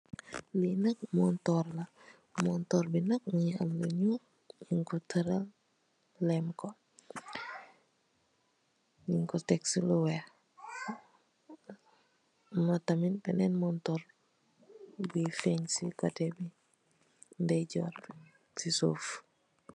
Lii nak montoor la, montoor bi nak mungi am lu nyuul, nyungko teureul, leemko, nyunko tek ko si lu weeh, amna tamit baben montoor, buy feen si kote bi, nday joor bi, si suuf.